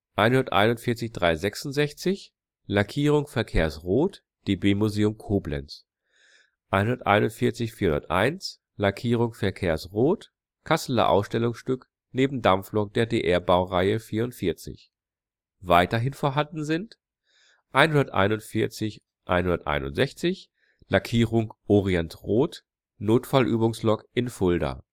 141 366 (Lackierung: verkehrsrot, DB Museum Koblenz) 141 401 (Lackierung: verkehrsrot, Kasseler Ausstellungsstück neben Dampflok der DR-Baureihe 44) Weiterhin vorhanden sind: 141 161 (Lackierung: orientrot, Notfallübungslok in Fulda